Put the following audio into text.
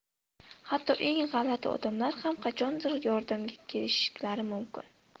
hatto eng g'alati odamlar ham qachondir yordamga kelishlari mumkin